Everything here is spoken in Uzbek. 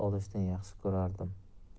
olishni yaxshi ko'rardim